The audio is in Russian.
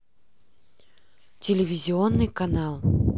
телевизионный канал